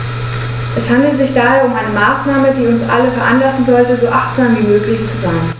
Es handelt sich daher um eine Maßnahme, die uns alle veranlassen sollte, so achtsam wie möglich zu sein.